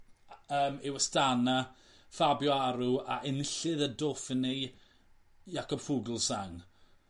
yym yw Astana Fabio Aru a enillydd y Dauphiné Jakob Fuglsang